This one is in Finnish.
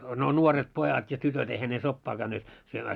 no nuoret pojat ja tytöt eihän ne soppaa käyneet syömään